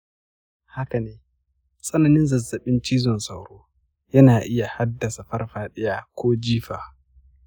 haka ne, tsananin zazzabin cizon sauro yana iya haddasa farfadiya ko jifa.